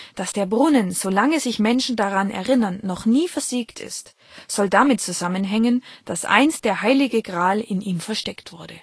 Dass der Brunnen, so lange sich Menschen daran erinnern, noch nie versiegt ist, soll damit zusammenhängen, dass einst der Heilige Gral in ihm versteckt wurde